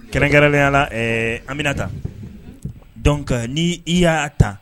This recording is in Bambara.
Kɛrɛnkɛrɛnlayala anmina taa dɔn ni i y'a'a ta